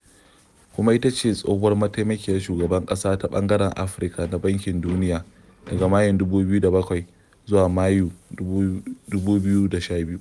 Kuma itace tsohuwar mataimakiyar shugaban ƙasa ta ɓangaren Afirka na Bankin Duniya daga Mayun 2007 zuwa Mayu 2012.